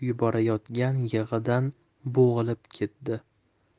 yuborayotgan yig'idan bo'g'ilib ketdi